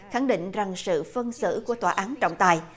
khẳng định rằng sự phân xử của tòa án trọng tài